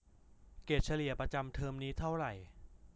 เกรดเฉลี่ยประจำเทอมนี้เท่าไหร่